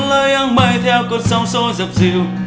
cuốn lấy áng mây theo cơn sóng xô dập dìu